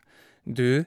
Du.